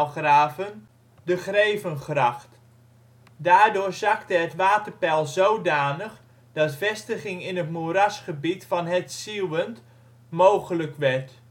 graven, de Grevengracht. Daardoor zakte het waterpeil zodanig dat vestiging in het moerasgebied van Het Zieuwent mogelijk werd